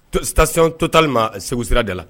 Station TOTAL ma segu sira da la.